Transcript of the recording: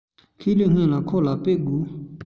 ཁས ལེན སྔོན ལ ཁོ ལ སྤྲོད དགོས